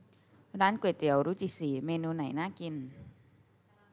ร้านก๋วยเตี๋ยวรุจิศรีเมนูไหนน่ากิน